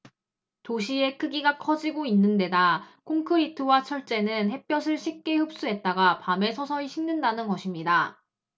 도시의 크기가 커지고 있는 데다 콘크리트와 철재는 햇볕을 쉽게 흡수했다가 밤에 서서히 식는다는 것입니다